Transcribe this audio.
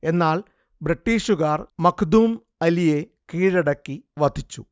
എന്നാൽ ബ്രിട്ടീഷുകാർ മഖ്ദൂം അലിയെ കീഴടക്കി വധിച്ചു